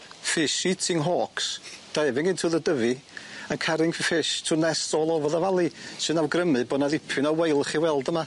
eating hawks diving into the dyfi and carrying ff- fish to nest all over the valley sy'n awgrymu bo' 'na ddipyn o weilch i'w weld yma.